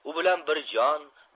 u bilan bir jon